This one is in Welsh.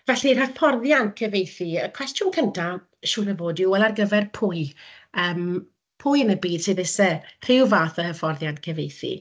Felly'r hyfforddiant cyfieithu. Y cwestiwn cynta, siŵr o fod, yw wel ar gyfer pwy? Yym, pwy yn y byd sydd isie rhyw fath o hyfforddiant cyfieithu?